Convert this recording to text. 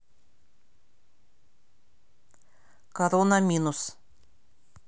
корона минус